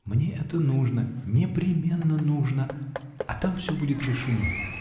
Мне это нужно, непременно нужно -- а там все будет решено.